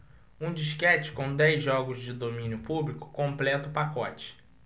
um disquete com dez jogos de domínio público completa o pacote